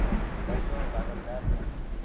daryo vag'illardi